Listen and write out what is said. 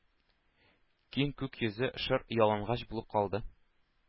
Киң күк йөзе шыр-ялангач булып калды,